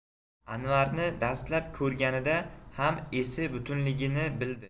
anvarni dastlab ko'rganida ham esi butunligini bildi